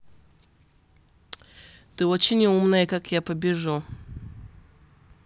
ты очень умная как я побежу